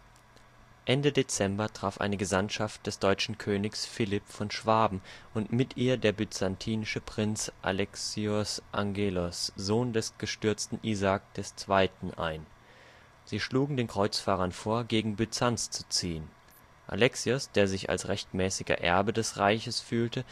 Ende Dezember traf eine Gesandtschaft des deutschen Königs Philipp von Schwaben und mit ihr der byzantinische Prinz Alexios Angelos, Sohn des gestürzten Isaak II., ein. Sie schlugen den Kreuzfahrern vor, gegen Byzanz zu ziehen. Alexios, der sich als rechtmäßiger Erbe des Reiches fühlte